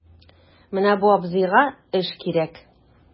Менә бу абзыйга эш кирәк...